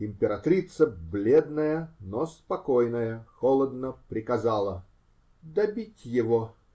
Императрица, бледная, но спокойная, холодно приказала: -- Добить его.